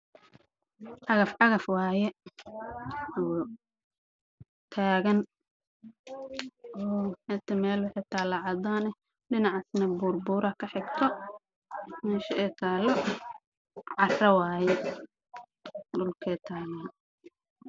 Waa cagaf cagaf taagan midabkeedu yahay madow jaalo